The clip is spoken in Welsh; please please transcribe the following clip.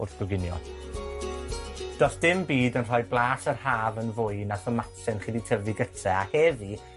wrth goginio. Do's dim byd yn rhoi blas yr haf yn fwy na thomatsen chi 'di tyfu gytre, a heddi,